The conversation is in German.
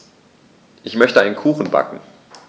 Ich möchte einen Kuchen backen.